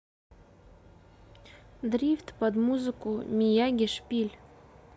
дрифт под музыку мияги шпиль